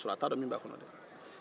k'a sɔrɔ a t'a dɔn min b'a kɔnɔ